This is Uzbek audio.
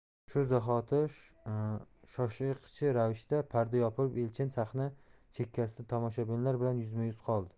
shu zahoti shoshqich ravishda parda yopilib elchin sahna chekkasida tamoshabinlar bilan yuzma yuz qoldi